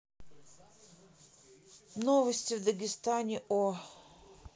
новости в дагестане о